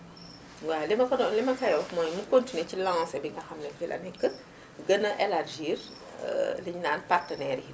waaw li ma ko doon li ma koy wax mooy mu continué ci lancé bi nga xam ne fi la nekk gën a élargir li ñu naan partenaires yi